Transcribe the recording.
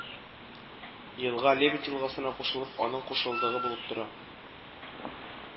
Елга Лебедь елгасына кушылып, аның кушылдыгы булып тора